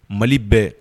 Mali bɛɛ